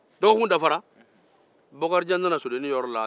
dɔgɔkun dafara bokarijan nana sodennin yɔrɔ la